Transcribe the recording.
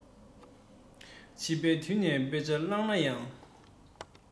བྱིས པའི དུས ནས དཔེ མང བཀླགས ན ཡང